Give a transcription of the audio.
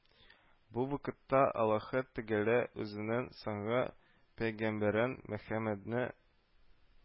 Бу вакытта Аллаһы Тәгалә үзенең соңгы пәйгамбәрен Мөхәммәдне